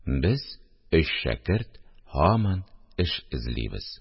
Без, өч шәкерт, һаман эш эзлибез